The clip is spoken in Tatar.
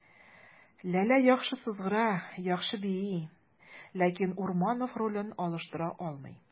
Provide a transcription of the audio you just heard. Ләлә яхшы сызгыра, яхшы бии, ләкин Урманов ролен алыштыра алмый.